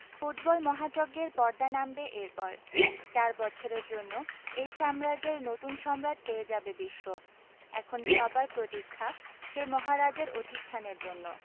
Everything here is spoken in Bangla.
ফুটবল মহাযজ্ঞের পর্দা নামবে এরপর চার বছরের জন্য এই সাম্রাজ্যের নতুন সম্রাট পেয়ে যাবে বিশ্ব এখন সবার প্রতীক্ষা সেই মহারাজের অধিষ্ঠানের জন্য